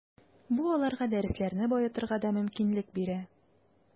Бу аларга дәресләрне баетырга да мөмкинлек бирә.